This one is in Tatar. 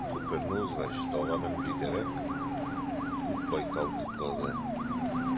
Күперне узгач, тауга менеп җитәрәк, күк байтал туктады.